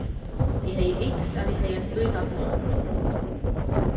eg hevði ynskt at eg hevði ein slíkan son